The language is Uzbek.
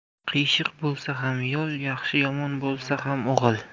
qiyshiq bo'lsa ham yo'l yaxshi yomon bo'lsa ham o'g'il